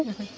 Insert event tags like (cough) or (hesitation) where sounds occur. (hesitation) (hesitation)